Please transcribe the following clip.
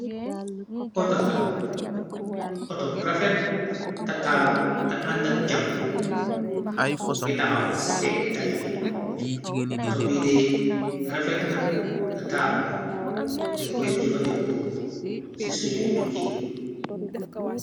Otola auto bu rafet ta taaru ta àndak jamono mungi taxaw ci pegg tali bi atobiide rafetna ta taaru na denkoy jëfandekoo ci sunuy tukki.